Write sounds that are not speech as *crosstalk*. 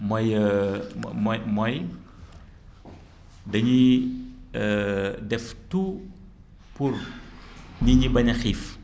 mooy *hesitation* mooy mooy *noise* dañuy *hesitation* def tout pour *noise* nit ñi bañ a xiif